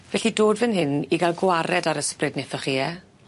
Felly dod fyn hyn i ga'l gwared ar ysbryd nethoch chi ie?